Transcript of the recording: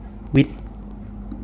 วิทย์